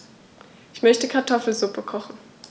Ich möchte Kartoffelsuppe kochen.